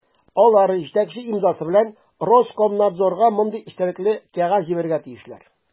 Алар җитәкче имзасы белән Роскомнадзорга мондый эчтәлекле кәгазь җибәрергә тиешләр: